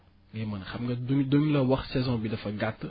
ngay mën xam nga duñ duñ la wax saison bi dafa gàtt